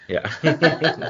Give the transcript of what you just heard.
Ie.